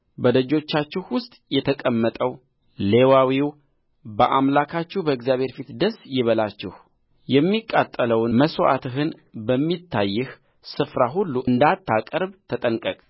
በደጆቻችሁ ውስጥ የተቀመጠው ሌዋዊም በአምላካችሁ በእግዚአብሔር ፊት ደስ ይበላችሁ የሚቃጠለውን መሥዋዕትህን በሚታይህ ስፍራ ሁሉ እንዳታቀርብ ተጠንቀቅ